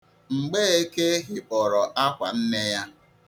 Mgbeke hịkpọrọ akwa nne ya.